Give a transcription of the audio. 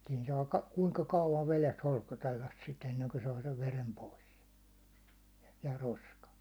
siinä saa - kuinka kauan vedessä holskotella sitä ennen kuin saa sen veren pois ja roskan